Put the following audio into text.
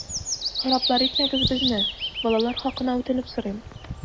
Хараплар итмәгез безне, балалар хакына үтенеп сорыйм!